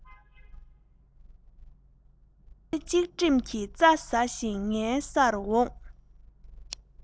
བློ རྩེ གཅིག སྒྲིམ གྱིས རྩྭ ཟ བཞིན ངའི སར འོང